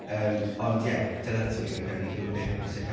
Yym, ond ie, dyletswydd fi'n credu yw'r peth pwysica.